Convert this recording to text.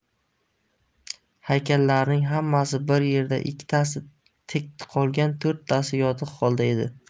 haykallarning hammasi bir yerda ikkitasi tik qolgan to'rttasi yotiq holda edi